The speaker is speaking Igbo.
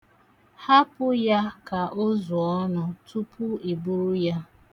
Hapụ ya ka o zuo ọnụ tupu i buru ya.